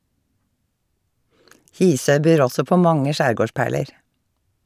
Hisøy byr også på mange skjærgårdsperler.